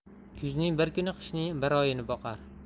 kuzning bir kuni qishning bir oyini boqar